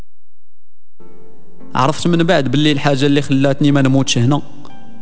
عرفت من بعد باللي الحاجه اللي خلتني موت شنو